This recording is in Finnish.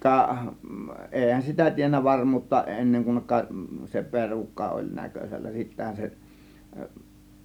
ka eihän sitä tiennyt varmuutta ennen kuin se perukka oli näkösällä sittenhän se